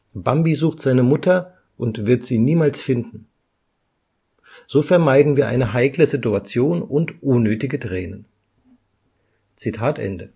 Bambi] sucht seine Mutter und wird sie niemals finden … So vermeiden wir eine heikle Situation und unnötige Tränen. “– Walt